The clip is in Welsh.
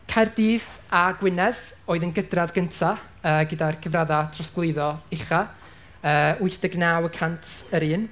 Caerdydd a Gwynedd oedd yn gydradd gynta yy gyda'r cyfraddau trosglwyddo ucha yy wyth deg naw y cant yr un.